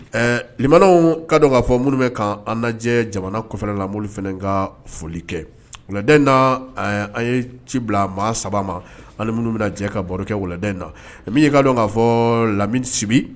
W ka don k kaa fɔ minnu bɛ ka an lajɛjɛ jamana kɔfɛ lamuru fana ka foli kɛ wula in na an ye ci bila maa saba ma ani minnu bɛ jɛ ka baro kɛ wulada in na ka dɔn k'a fɔ lammi sibi